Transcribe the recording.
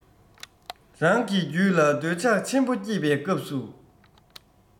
རང གི རྒྱུད ལ འདོད ཆགས ཆེན པོ སྐྱེས པའི སྐབས སུ